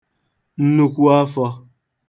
nnukwu afọ̄